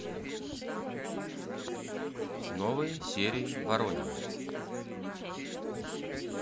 новые серии воронины